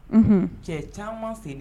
cɛ caman